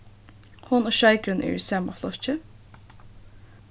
hon og sjeikurin eru í sama flokki